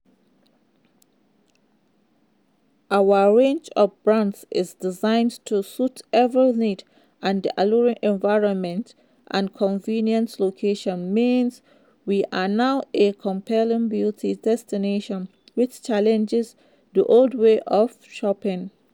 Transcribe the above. Our range of brands is designed to suit every need and the alluring environment and convenient locations mean we're now a compelling beauty destination which challenges the old way of shopping."